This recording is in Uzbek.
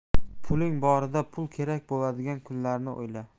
puling borida pul kerak bo'ladigan kunlarni o'yla